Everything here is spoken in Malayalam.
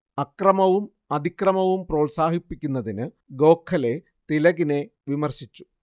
അക്രമവും അതിക്രമവും പ്രോത്സാഹിപ്പിക്കുന്നതിനു ഗോഖലെ തിലകിനെ വിമർശിച്ചു